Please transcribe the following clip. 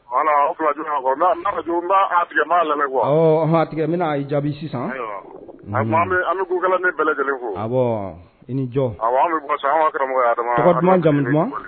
Tigɛ lamɛn bɛna jaabi sisan lajɛlen i ni jɔ jamu duman